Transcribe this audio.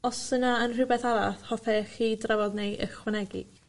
os yna yn rhwbeth arall hoffech chi drafod neu ychwanegu?